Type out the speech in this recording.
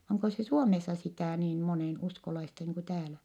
onko se Suomessa sitä niin monenuskolaista niin kuin täällä